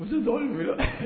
U sago wele